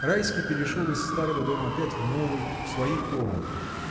Райский перешел из старого дома опять в новый, в свои комнаты.